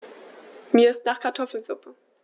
Mir ist nach Kartoffelsuppe.